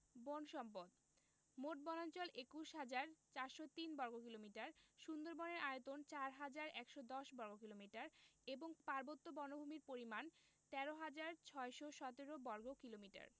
বন সম্পদঃ মোট বনাঞ্চল ২১হাজার ৪০৩ বর্গ কিলোমিটার সুন্দরবনের আয়তন ৪হাজার ১১০ বর্গ কিলোমিটার এবং পার্বত্য বনভূমির পরিমাণ ১৩হাজার ৬১৭ বর্গ কিলোমিটার